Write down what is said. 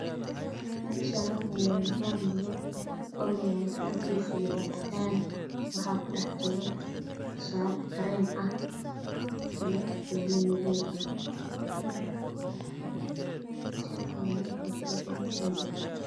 Meeshaan waxaa yaalo bunbalo bunbalaas kalarkiisa Yahay cadan waxaaa ku dhex jiro shaati kareem ah buumo madow ah shaatiga waxaa ku dhegan number